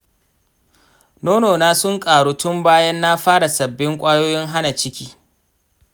nono na sun ƙaru tun bayan na fara sabbin kwayoyin hana ciki.